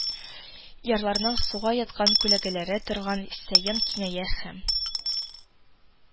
Ярларның суга яткан күләгәләре торган саен киңәя һәм